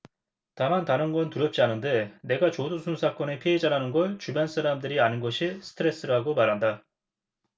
다만 다른 건 두렵지 않은데 내가 조두순 사건의 피해자라는 걸 주변 사람들이 아는 것이 스트레스라고 말한다